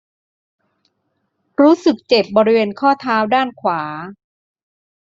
รู้สึกเจ็บบริเวณข้อเท้าด้านขวา